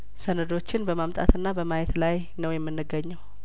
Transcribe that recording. ሰነዶችን በማምጣትና በማየት ላይ ነው የምን ገኘው